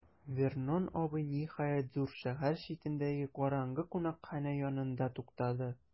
Вернон абый, ниһаять, зур шәһәр читендәге караңгы кунакханә янында туктады.